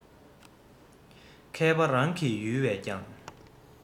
མཁས པ རང གི ཡུལ བས ཀྱང